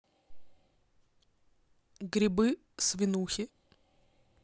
грибы свинухи